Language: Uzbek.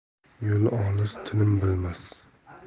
yo'li olis tinim bilmas